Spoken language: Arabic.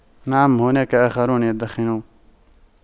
نعم هناك آخرون يدخنون